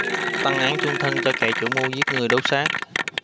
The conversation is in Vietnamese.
tăng án chung thân cho kẻ chủ mưu giết người đốt xác